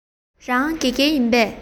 རང དགེ རྒན ཡིན པས